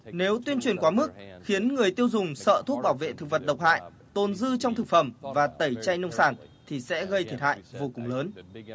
nếu tuyên truyền quá mức khiến người tiêu dùng sợ thuốc bảo vệ thực vật độc hại tồn dư trong thực phẩm và tẩy chay nông sản thì sẽ gây thiệt hại vô cùng lớn